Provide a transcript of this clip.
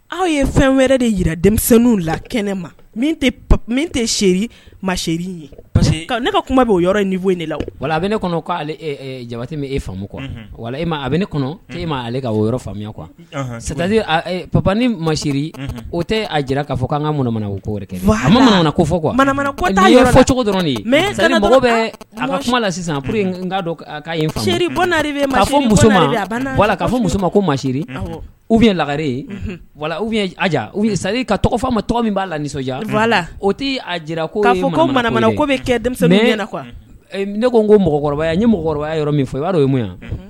Aw ye fɛn wɛrɛ de jira denmisɛnnin la kɛnɛ ma min tɛ mari parce ne ka kuma bɛ yɔrɔ nin fɔ de la wala a bɛ ne kɔnɔ'ale jaba min e famu kɔ a ne eale ka yɔrɔ fa qup ni ma o tɛ a jira k'a fɔ k'an ka mana ko wɛrɛ kɛ a fɔ fɔ cogo dɔrɔn ye mɛ bɛ a kuma la sisan' ma fɔ k'a fɔ muso ma ko mari u bɛ lagare sa ka tɔgɔ fɔ a ma tɔgɔ min b'a la ni nisɔndiya o t tɛ ko fɔ ko ko bɛ kɛ ne ko ko mɔgɔkɔrɔba ye mɔgɔkɔrɔbaya yɔrɔ min fɔ i b'a ye mun